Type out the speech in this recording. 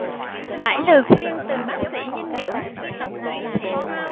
bảy lời khuyên từ bác sĩ dinh dưỡng khi tập luyện thể thao